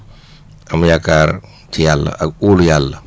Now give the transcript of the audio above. am yaakaar ci yàlla ak óolu yàlla